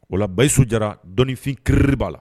Wala basiyiso jara dɔnfin keri b'a la